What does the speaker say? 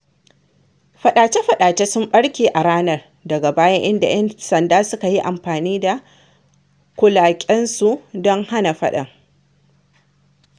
Faɗace-faɗace sun ɓarke a ranar daga baya inda ‘yan sanda suka yi amfani da kulaƙensu don hana faɗan.